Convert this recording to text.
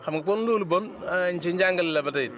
xam nga kon loolu bon ci njàngale la ba tey